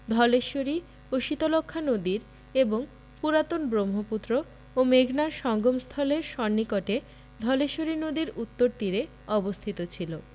ধলেশ্বরী ও শীতলক্ষ্যা নদীর এবং পুরাতন ব্রহ্মপুত্র ও মেঘনার সঙ্গমস্থলের সন্নিকটে ধলেশ্বরী নদীর উত্তর তীরে অবস্থিত ছিল